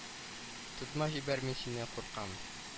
Тотма җибәр мин синнән куркам